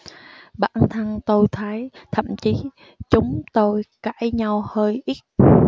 bản thân tôi thấy thậm chí chúng tôi cãi nhau hơi ít